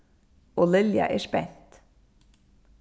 og lilja er spent